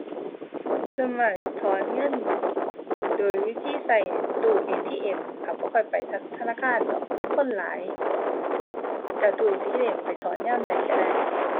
ส่วนมากถอนเงินโดยวิธีใช้ตู้ ATM ค่ะ บ่ค่อยไปทะ ธนาคารดอก คนหลาย ใช้ตู้ ATM ไปถอนยามใดใช้ได้